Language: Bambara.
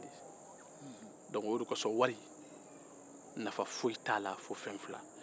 o de kosɔn nafa foyi tɛ wari la fo fɛn fila